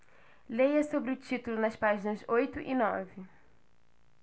leia sobre o título nas páginas oito e nove